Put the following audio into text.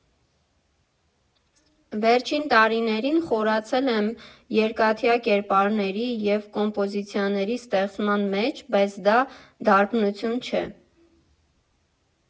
Վերջին տարիներին խորացել եմ երկաթյա կերպարների և կոմպոզիցիաների ստեղծման մեջ, բայց սա դարբնություն չէ։